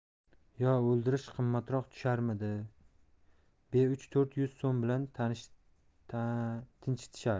yo o'ldirish qimmatroq tusharmidi be uch to'rt yuz so'm bilan tinchitishardi